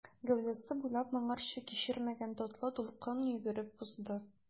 Гәүдәсе буйлап моңарчы кичермәгән татлы дулкын йөгереп узды.